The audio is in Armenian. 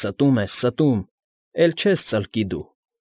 Ստում ես, ստում։ Էլ չես ծլկի դու։